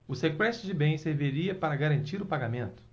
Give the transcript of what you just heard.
o sequestro de bens serviria para garantir o pagamento